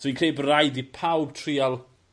So fi'n cre'u by raid i pawb trial